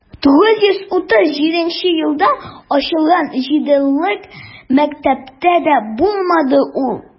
1937 елда ачылган җидееллык мәктәптә дә булмады ул.